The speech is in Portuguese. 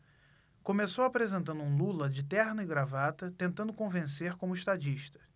começou apresentando um lula de terno e gravata tentando convencer como estadista